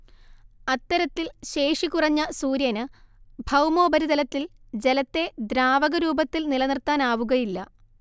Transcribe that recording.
അത്തരത്തിൽ ശേഷി കുറഞ്ഞ സൂര്യന് ഭൗമോപരിതലത്തിൽ ജലത്തെ ദ്രാവക രൂപത്തിൽ നിലനിർത്താനാവുകയില്ല